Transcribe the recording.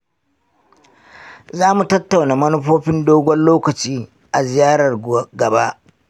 za mu tattauna manufofin dogon lokaci a ziyarar gaba.